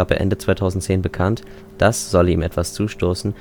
Ende 2010 bekannt, dass, sollte ihm etwas zustoßen